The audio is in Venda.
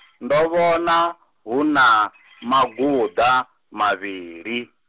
ndo vhona, huna, maguḓa, mavhili.